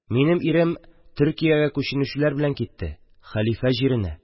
Минем ирем Төркиягә күченүчеләр белән китте... хәлифә җиренә.